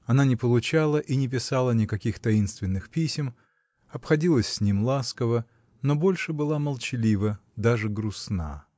Она не получала и не писала никаких таинственных писем, обходилась с ним ласково, но больше была молчалива, даже грустна.